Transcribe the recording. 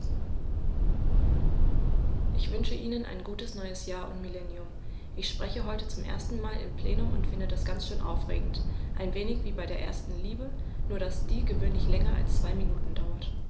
Ich wünsche Ihnen ein gutes neues Jahr und Millennium. Ich spreche heute zum ersten Mal im Plenum und finde das ganz schön aufregend, ein wenig wie bei der ersten Liebe, nur dass die gewöhnlich länger als zwei Minuten dauert.